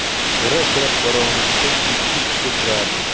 g'ira shira qorong'ilikda ikki kishi turardi